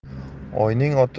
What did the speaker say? oyning oti ko'p